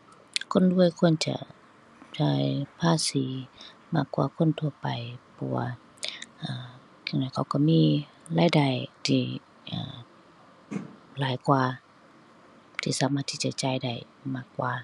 คนรวยควรจะจ่ายภาษีมากกว่าคนทั่วไป เพราะว่า เอ่อ ขนาดเขาก็มีรายได้ที่ เอ่อ หลายกว่า ที่สามารถที่จะจ่ายได้มากกว่า